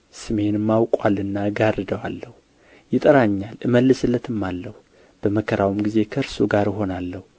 ስሜንም አውቆአልና እጋርደዋለሁ ይጠራኛል እመልስለትማለሁ በመከራውም ጊዜ ከእርሱ ጋራ እሆናለሁ